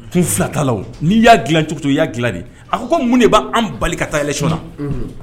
Kun fila t'a la o, n'i y'a dila cogo o cogo i y'a dilan de, a ko ko mun de b'an bali ka taa election na. Unhun